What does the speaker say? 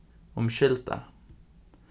umskylda